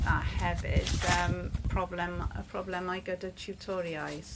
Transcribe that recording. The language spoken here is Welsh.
A hefyd yym problem- problemau gyda tiwtoriaid.